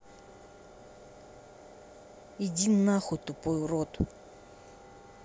иди нахуй тупой урод